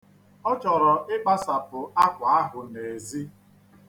Ọ chọrọ ịkpasapụ akwa ahụ n'ezi.